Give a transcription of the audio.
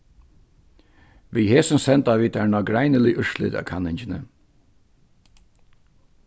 við hesum senda vit tær nágreinilig úrslit av kanningini